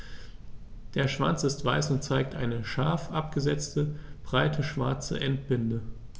Der Schwanz ist weiß und zeigt eine scharf abgesetzte, breite schwarze Endbinde.